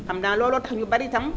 xam naa looloo tax ñu bari itam